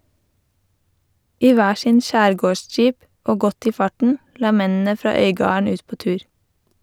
I hver sin skjærgårdsjeep, og godt i farten, la mennene fra Øygarden ut på tur.